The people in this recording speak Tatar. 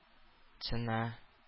Цена